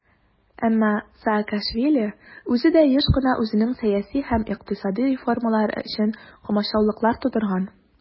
Әмма Саакашвили үзе дә еш кына үзенең сәяси һәм икътисади реформалары өчен комачаулыклар тудырган.